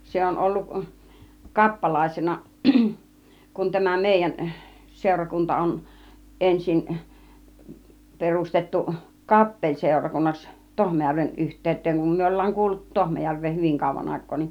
se on ollut kappalaisena kun tämä meidän seurakunta on ensin perustettu kappeliseurakunnaksi Tohmajärven yhteyteen kun me ollaan kuuluttu Tohmajärveen hyvin kauan aikaa niin